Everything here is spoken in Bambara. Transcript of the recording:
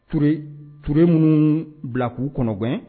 Urure minnu bila k'u kɔnɔgɛn